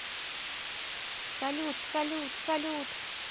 салют салют салют